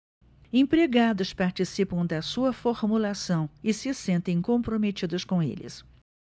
empregados participam da sua formulação e se sentem comprometidos com eles